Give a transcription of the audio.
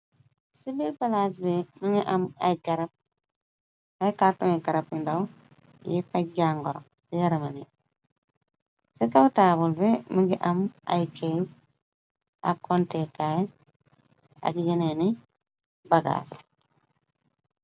ci biir palaas bi më ngi aray 4rtu ay karab yi ndaw yi xej jàngoro ci yaramani ci kawtaabal bi më ngi am ay kaw ak konte kaay ak yeneeni bagaas